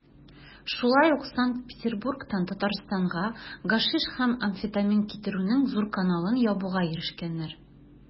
Шулай ук Санкт-Петербургтан Татарстанга гашиш һәм амфетамин китерүнең зур каналын ябуга ирешкәннәр.